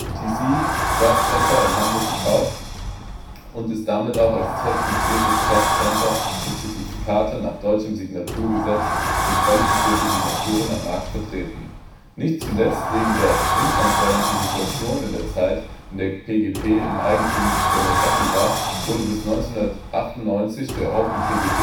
TC Trustcenter in Hamburg gekauft und ist damit auch als zertifiziertes Trustcenter für Zertifikate nach deutschem Signaturgesetz (für qualifizierte Signaturen) am Markt vertreten. Nicht zuletzt wegen der intransparenten Situation in der Zeit, in der PGP im Eigentum der McAfee war, wurde bis 1998 der OpenPGP-Standard